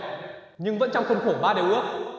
nhưng vẫn trong khuôn khổ ba điều ước